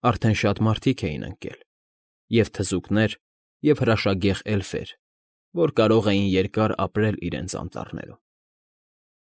Արդեն շատ մարդիկ էին ընկել, և՛ թզուկներ, և՛ հրաշագեղ էլֆեր, որ կարող էին երկար ապրել իրենց անտառներում։